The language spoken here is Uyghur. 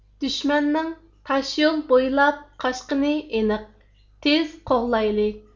دۈشمەننىڭ تاشيول بويلاپ قاچقىنى ئېنىق تېز قوغلايلى